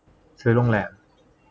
ซื้อโรงแรม